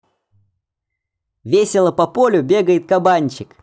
весело по полю бегает кабанчик